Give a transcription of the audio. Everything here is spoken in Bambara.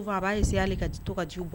Ou bien a b'a essayé hali ka to ka jiw b